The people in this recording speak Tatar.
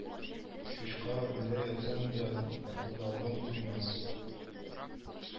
Чучка үлә ятсаң да, мыркылдавын куймас